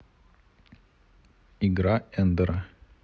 игра эндера